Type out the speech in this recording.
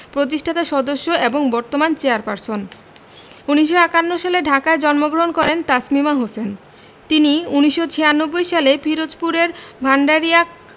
প্রতিষ্ঠাতা সদস্য এবং বর্তমান চেয়ারপারসন ১৯৫১ সালে ঢাকায় জন্মগ্রহণ করেন তাসমিমা হোসেন তিনি ১৯৯৬ সালে পিরোজপুরের ভাণ্ডারিয়া